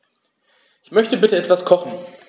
Ich möchte bitte etwas kochen.